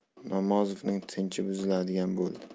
namozovning tinchi buziladigan bo'ldi